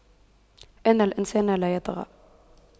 إِنَّ الإِنسَانَ لَيَطغَى